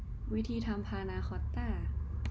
วิธีทำพานาคอตต้า